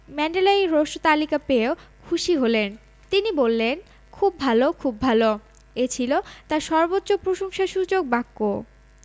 Mandela এই হ্রস্ব তালিকা পেয়েও খুশি হলেন তিনি বললেন খুব ভালো খুব ভালো এ ছিল তাঁর সর্বোচ্চ প্রশংসাসূচক বাক্য